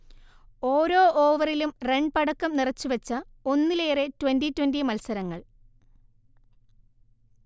ഓരോ ഓവറിലും റൺപടക്കം നിറച്ചു വച്ച ഒന്നിലേറെ ട്വന്റി ട്വന്റി മൽസരങ്ങൾ